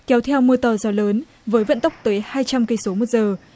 kéo theo mưa to gió lớn với vận tốc tới hai trăm cây số một giờ